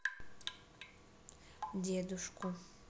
дедушку